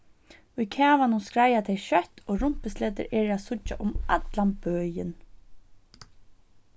í kavanum skreiða tey skjótt og rumpusletur eru at síggja um allan bøin